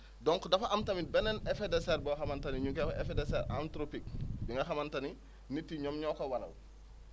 donc dafa am tamit beneen effet de serre boo xamante ne ñu ngi koy wax effet de serre antropique yi nga xamante ne nit yi ñoom ñoo ko waral